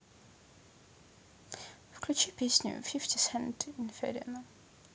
включи песню фифти сент инферно